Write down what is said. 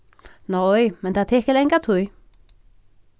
nei men tað tekur langa tíð